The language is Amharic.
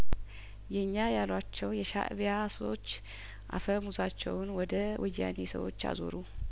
የኛ ያሏቸው የሻእቢያ ሰዎች አፈሙዛቸውን ወደ ወያኔ ሰዎች አዞሩ